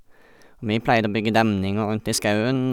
Vi pleide å bygge demninger rundt i skauen.